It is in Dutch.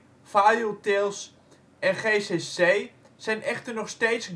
fileutils en gcc zijn echter nog steeds